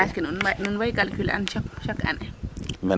so ménage ke nuun nun way calculer an chaque année